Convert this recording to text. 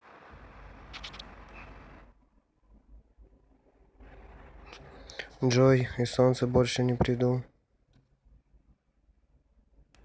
джой и солнце больше не приду